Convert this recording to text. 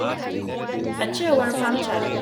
A cewar prem Chand: